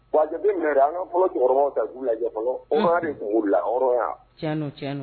Wa a jate minɛ dɛ an ka fɔlɔ cɛkɔrɔbaw taji ku lajɛ fɔlɔ , unhun, hɔrɔnya de tun b'ula, tiɲɛn don, tiɲɛn don. yan